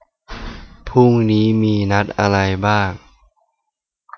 พรุ่งนี้มีนัดอะไรบ้าง